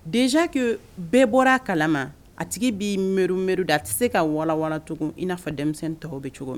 Denke bɛɛ bɔra a kalama a tigi b m nbari da a tɛ se ka wawacogo in n'a denmisɛnnin tɔw bɛ cogo min